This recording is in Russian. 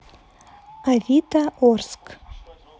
авито орск